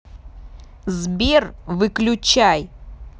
сбер выключай